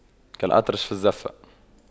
كالأطرش في الزَّفَّة